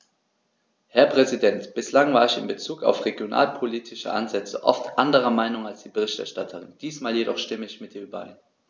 Herr Präsident, bislang war ich in Bezug auf regionalpolitische Ansätze oft anderer Meinung als die Berichterstatterin, diesmal jedoch stimme ich mit ihr überein.